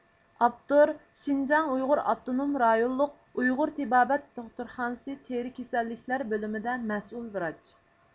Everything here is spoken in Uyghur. ئاپتور شې ئۇ ئا رې ئۇيغۇر تېبابەت دوختۇرخانىسى تېرە كېسەللىكلەر بۆلۈمىدە مەسئۇل ۋىراچ